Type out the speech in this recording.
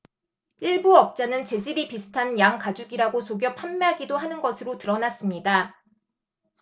일부 업자는 재질이 비슷한 양 가죽이라고 속여 판매하기도 하는 것으로 드러났습니다